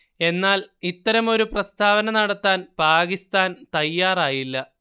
എന്നാൽ ഇത്തരമൊരു പ്രസ്താവന നടത്താൻ പാകിസ്താൻ തയ്യാറായില്ല